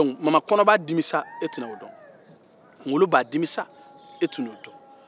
mama kɔnɔ b'a dimi sa wa e tɛna o dɔn a kunkolo b'a dimi e tɛna o dɔn